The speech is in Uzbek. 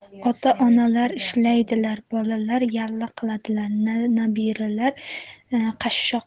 ota onalar ishlaydilar bolalar yallo qiladilar nabiralar qashshoq